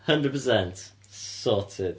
hundred percent sorted.